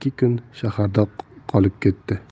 ikki kun shaharda qolib ketdi